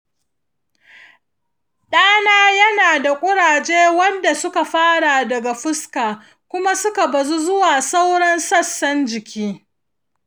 ɗana yana da ƙuraje waɗanda suka fara daga fuska kuma suka bazu zuwa sauran sassan jiki.